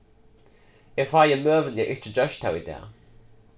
eg fái møguliga ikki gjørt tað í dag